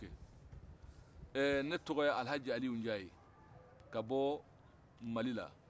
ɛh ne tɔgɔ alihaji aliyu njayi ka bɔ mali la